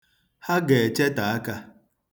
Ha ga-echete aka.